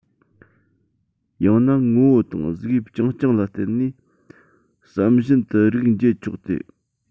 ཡང ན ངོ བོ དང གཟུགས དབྱིབས རྐྱང རྐྱང ལ བརྟེན ནས བསམ བཞིན དུ རིགས འབྱེད ཆོག སྟེ